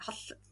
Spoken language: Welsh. holl-